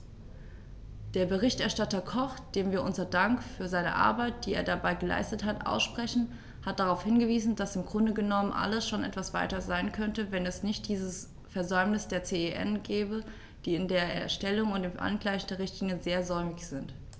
Der Berichterstatter Koch, dem wir unseren Dank für seine Arbeit, die er dabei geleistet hat, aussprechen, hat darauf hingewiesen, dass im Grunde genommen alles schon etwas weiter sein könnte, wenn es nicht dieses Versäumnis der CEN gäbe, die in der Erstellung und dem Angleichen der Richtlinie sehr säumig sind.